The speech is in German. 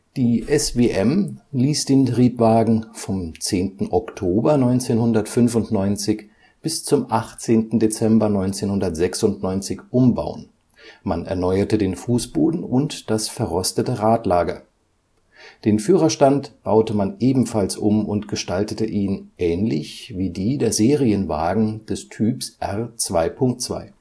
Die SWM ließ den Triebwagen vom 10. Oktober 1995 bis zum 18. Dezember 1996 umbauen, man erneuerte den Fußboden und das verrostete Radlager. Den Führerstand baute man ebenfalls um und gestaltete ihn ähnlich wie die der Serienwagen des Typs R 2.2